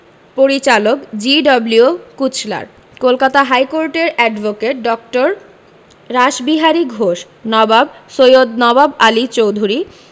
পরিচালক G W Kuchler Kolkata হাইকোর্টের advocate ড. রাসবিহারী ঘোষ নবাব সৈয়দ নওয়াব আলী চৌধুরী